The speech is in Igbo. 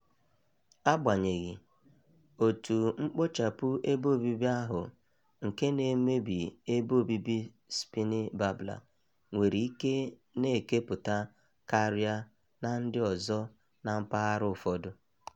Agbanyeghị, otu mkpochapụ ebe obibi ahụ nke na-emebi ebe obibi Spiny Babbler nwere ike na-ekepụta karịa na ndị ọzọ na mpaghara ụfọdụ.